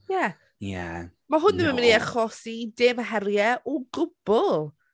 Ie... Ie... Mae hwn ddim yn mynd i achosi dim heriau o gwbl!